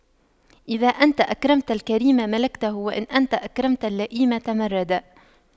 إذا أنت أكرمت الكريم ملكته وإن أنت أكرمت اللئيم تمردا